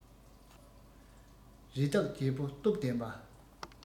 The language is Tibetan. རི དྭགས རྒྱལ པོ སྟོབས ལྡན པ